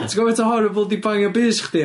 Ti'n gwbo faint o horrible 'di bangio bys chdi?